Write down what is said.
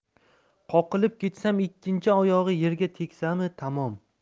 qoqilib ketsami ikkinchi oyog'i yerga tegsami tamom